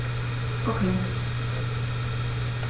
Okay.